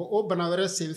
O o bana wɛrɛ sen